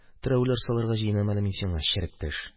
Терәүләр салырга җыенам әле мин сиңа, черек теш